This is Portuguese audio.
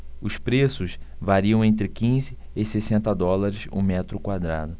os preços variam entre quinze e sessenta dólares o metro quadrado